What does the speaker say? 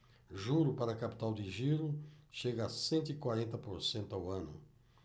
juro para capital de giro chega a cento e quarenta por cento ao ano